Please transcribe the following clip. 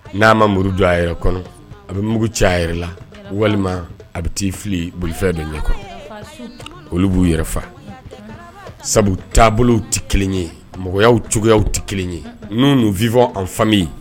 N'a ma muru don a yɛrɛ kɔnɔ, a bɛ mugu ci a yɛrɛ la walima a bɛ ta'i fili bolifɛ dɔn ɲɛkɔrɔ, olu b'u yɛrɛ faa, sabu taabolow tɛ kelen ye, mɔgɔyaw cogoyaw tɛ kelen ye nous nous vivons en famille